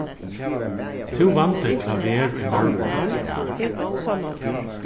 tú vandi klaver í morgun